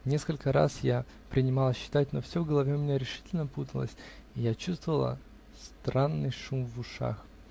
Несколько раз я принималась считать, но все в голове у меня решительно путалось, и я чувствовала странный шум в ушах.